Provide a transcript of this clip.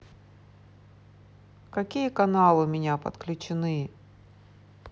какие каналы у меня подключены